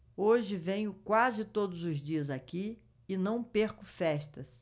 hoje venho quase todos os dias aqui e não perco festas